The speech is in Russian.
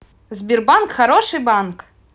сбербанк хороший банк